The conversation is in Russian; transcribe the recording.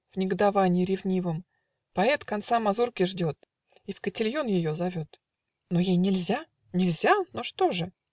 В негодовании ревнивом Поэт конца мазурки ждет И в котильон ее зовет. Х Но ей нельзя. Нельзя? Но что же?